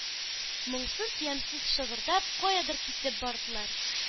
Моңсыз, ямьсез шыгырдап, каядыр китеп бардылар,